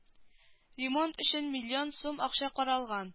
Ремонт өчен миллион сум акча каралган